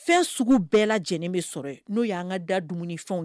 Fɛn sugu bɛɛ la lajɛlen bɛ sɔrɔ n'o y'an ka da dumunifɛnw